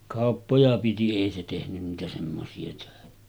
kauppoja piti ei se tehnyt niitä semmoisia töitä